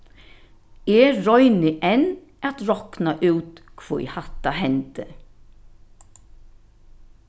eg royni enn at rokna út hví hatta hendi